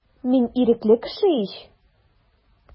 Мин ирекле кеше ич.